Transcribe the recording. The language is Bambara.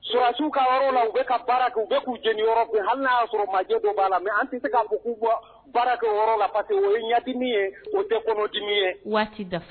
Surasiw ka yɔrɔ la u be ka baara kɛ u be k'u jeniyɔrɔ fin hali n'a y'a sɔrɔ majɛ do b'a la mais an te se ka fɔ k'u bɔ baara kɛ o yɔrɔ la parce que o ye ɲadimi ye o te kɔnɔdimi ye waati daf